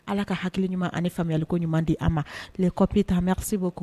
Ala ka hakiliki ɲuman ani faamuyayaliko ɲuman di a ma tilelɛ coppi taamasi bɔo kɔnɔ